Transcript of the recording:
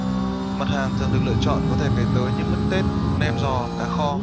mặt hàng thường được lựa chọn có thể kể tới như mứt tết nem giò cá kho